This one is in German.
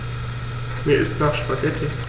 Mir ist nach Spaghetti.